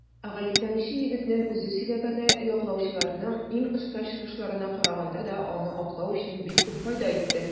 Гаепләнүче егетнең үзе сөйләгәне яклаучыларның иң оста чыгышларына караганда да аны аклау өчен бик күп файда итте.